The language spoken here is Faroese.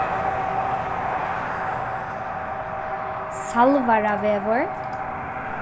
salvarávegur